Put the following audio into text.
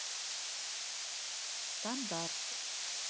стандарт